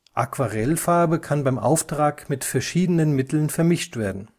Aquarellfarbe kann beim Auftrag mit verschiedenen Mitteln vermischt werden